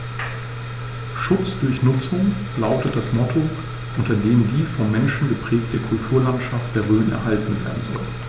„Schutz durch Nutzung“ lautet das Motto, unter dem die vom Menschen geprägte Kulturlandschaft der Rhön erhalten werden soll.